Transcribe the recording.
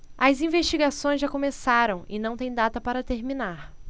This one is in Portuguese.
as investigações já começaram e não têm data para terminar